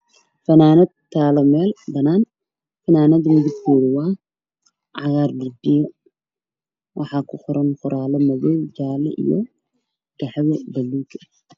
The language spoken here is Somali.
Fanaanad taallo meel bannaan fanaanada kalarkeedu waa caddaan iyo jaalo waxaa ku qoran qoraal madow ah